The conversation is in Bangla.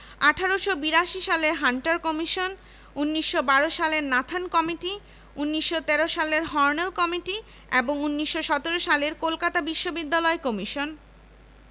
আব্দুল মুকতাদির ভূ তত্ত্ব বিভাগ শরাফৎ আলী গণিত বিভাগ সাদত আলী শিক্ষা ও গবেষণা ইনস্টিটিউট আতাউর রহমান খান খাদিম